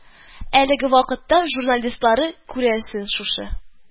Әлеге вакытта журналистлары, күрәсең, шушы